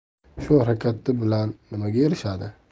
shu harakati bilan nimaga erishadi